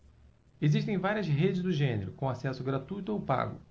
existem várias redes do gênero com acesso gratuito ou pago